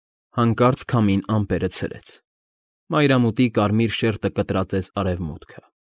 Հանկարծ քամին ամեպրը ցրեց, մայրամուտի կարմիր շերտը կտրատեց արևամուտքը։